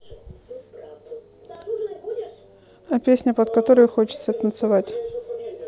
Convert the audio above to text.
а песня под которую хочется танцевать